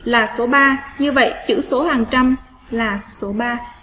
là số như vậy chữ số hàng trăm là số